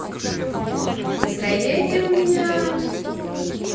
настроение у меня